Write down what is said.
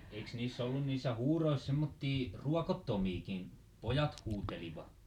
eikös niissä ollut niissä huudoissa semmoisia ruokottomiakin pojat huutelivat